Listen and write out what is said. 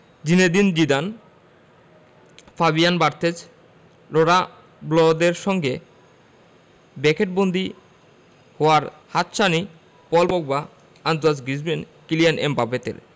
Zinedine Zidane Fabien Barthez লঁরা ব্লদের সঙ্গে ব্র্যাকেটবন্দি হওয়ার হাতছানি Paul Pogba Antoine Griezmann Kylian এমবাপ্পেদের